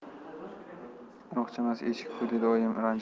uloqchamas echki ku dedi oyim ranjib